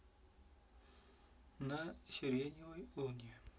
на сиреневой луне